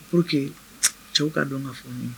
pour que cɛw ka dɔn ka fɔ min don.